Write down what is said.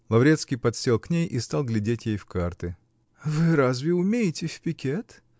Лаврецкий подсел к ней и стал глядеть ей в карты. -- Вы разве умеете в пикет?